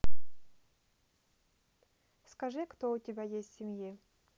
скажи кто у тебя есть в семье